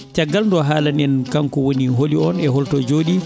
caggal nde o haalani en kanko woni holi oon e holto o jooɗi